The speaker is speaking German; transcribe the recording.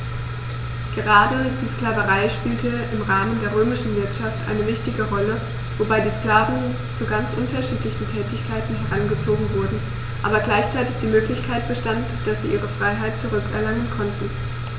Gerade die Sklaverei spielte im Rahmen der römischen Wirtschaft eine wichtige Rolle, wobei die Sklaven zu ganz unterschiedlichen Tätigkeiten herangezogen wurden, aber gleichzeitig die Möglichkeit bestand, dass sie ihre Freiheit zurück erlangen konnten.